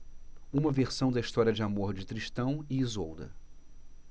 uma versão da história de amor de tristão e isolda